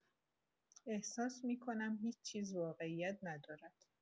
احساس می‌کنم هیچ‌چیز واقعیت ندارد.